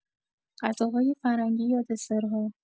غذاهای فرنگی یا دسرها